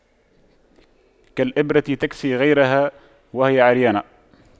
كالإبرة تكسي غيرها وهي عريانة